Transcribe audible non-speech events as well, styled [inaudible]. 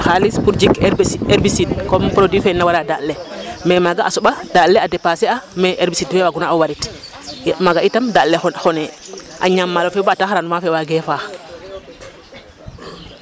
Maaga retaam itam bo fi xalis pour jik herbicide comme produit fe na wara daaƭ le mais maaga a soɓa daaƭ le a dépasser a me herbicide fe waguna warit maaga itam daaƭ le xonee a ñaam maalo ba tax rendement fe waagee a [crosstalk] faax .